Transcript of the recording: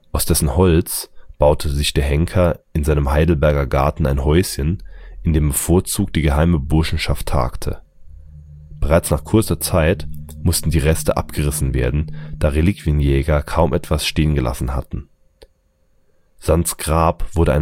Aus dessen Holz baute der Henker sich in seinem Heidelberger Garten ein Häuschen, in dem bevorzugt die geheime Burschenschaft tagte. Bereits nach kurzer Zeit mussten die Reste abgerissen werden, da Reliquienjäger kaum etwas stehen gelassen hatten. Sands Grab wurde